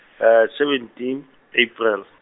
seventeen April.